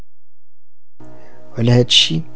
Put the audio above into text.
علاج